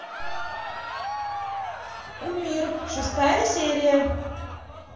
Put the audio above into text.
кумир шестая серия